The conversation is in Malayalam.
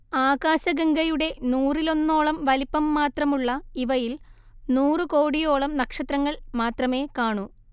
ആകാശഗംഗയുടെ നൂറിലൊന്നോളം വലിപ്പം മാത്രമുള്ള ഇവയിൽ നൂറുകോടിയോളം നക്ഷത്രങ്ങൾ മാത്രമേ കാണൂ